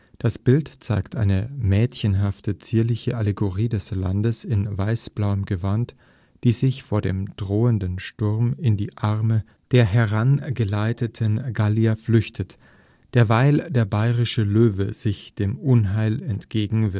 Das Bild zeigt eine mädchenhafte, zierliche Allegorie des Landes in weiß-blauem Gewand, die sich vor dem drohenden Sturm in die Arme der herangleitenden Gallia flüchtet, derweil der Bayerische Löwe sich dem Unheil entgegen